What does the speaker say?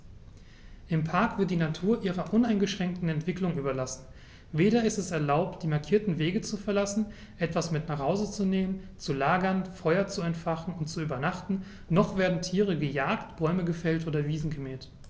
Im Park wird die Natur ihrer uneingeschränkten Entwicklung überlassen; weder ist es erlaubt, die markierten Wege zu verlassen, etwas mit nach Hause zu nehmen, zu lagern, Feuer zu entfachen und zu übernachten, noch werden Tiere gejagt, Bäume gefällt oder Wiesen gemäht.